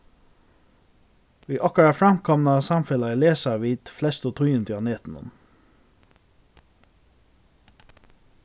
í okkara framkomna samfelagi lesa vit flestu tíðindi á netinum